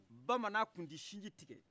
bamana tun tɛ cinji tikɛ